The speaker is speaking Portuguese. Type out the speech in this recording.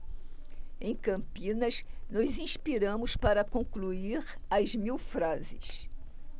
em campinas nos inspiramos para concluir as mil frases